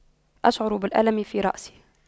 أشعر بالألم في رأسي